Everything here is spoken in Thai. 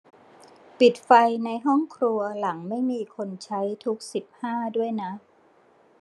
ปิดไฟในห้องครัวหลังไม่มีคนใช้ทุกสิบห้าด้วยนะ